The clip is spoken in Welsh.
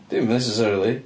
Dim necessarily.